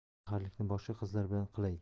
saharlikni boshqa qizlar bilan qilay